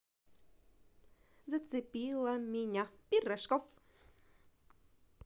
зацепила меня пирожков